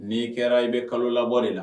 N'i kɛra i bɛ kalo labɔ de la